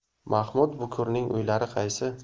mahmud bukurning uylari qaysi